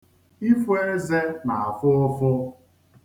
Ifo eze na-afụ ụfụ.